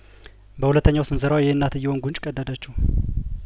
በሁለተኛው ስንዘራዋ የእናትየውን ጉንጭ ቀደደችው